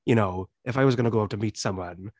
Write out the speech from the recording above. You know, if I was going to go to out and meet someone.